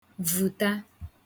vùta